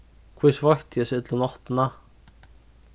hví sveitti eg so illa um náttina